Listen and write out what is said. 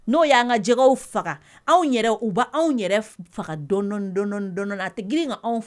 N'o y'an ka jɛgɛ faga anw yɛrɛ u bɛ anw yɛrɛ faga dɔn dɔn dɔn a tɛ grin anw fɛ